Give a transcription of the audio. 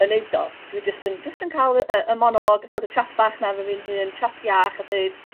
yn yn neud o dw i jyst yn jyst yn ca'l y y monolog y t'od y chat bach ' na 'fo fi'n hun chat iach a deud